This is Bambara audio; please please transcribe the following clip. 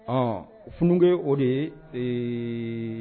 Ɔ funuke o de ye ee